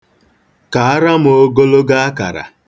Kaara m ogologo akara.